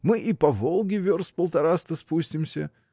Мы и по Волге верст полтораста спустимся.